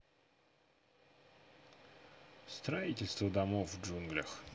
строительство домов в джунглях